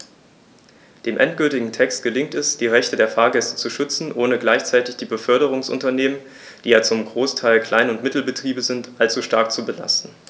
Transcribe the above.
Dem endgültigen Text gelingt es, die Rechte der Fahrgäste zu schützen, ohne gleichzeitig die Beförderungsunternehmen - die ja zum Großteil Klein- und Mittelbetriebe sind - allzu stark zu belasten.